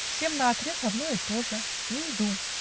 Всем наотрез одно и то же: Нейду.